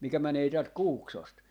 mikä menee täältä Kuuksosta